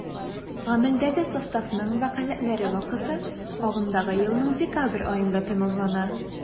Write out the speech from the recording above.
Гамәлдәге составның вәкаләтләре вакыты агымдагы елның декабрь аенда тәмамлана.